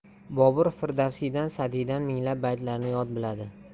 bobur firdavsiydan sadiydan minglab baytlarni yod biladi